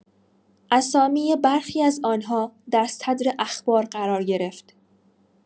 اسامی برخی از آنها در صدر اخبار قرار گرفت.